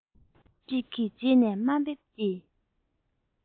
ཅིག གིས རྗེས ནས དམའ འབེབས ཀྱི